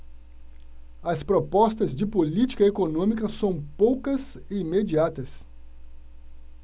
as propostas de política econômica são poucas e imediatas